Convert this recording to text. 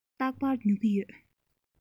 རྟག པར ཉོ གི ཡོད